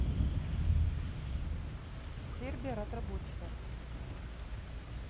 сербия разработчиков